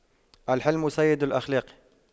الحِلْمُ سيد الأخلاق